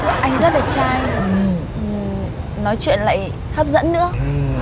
anh rất đẹp trai ừ nói chuyện lại hấp dẫn nữa